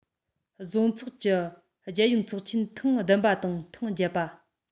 བཟོ ཚོགས ཀྱི རྒྱལ ཡོངས ཚོགས ཆེན ཐེངས བདུན པ དང ཐེངས བརྒྱད པ